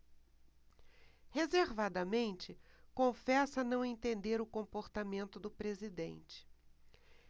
reservadamente confessa não entender o comportamento do presidente